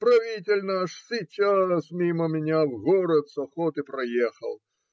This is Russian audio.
Правитель наш сейчас мимо меня в город с охоты проехал.